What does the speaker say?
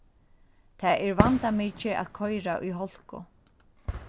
tað er vandamikið at koyra í hálku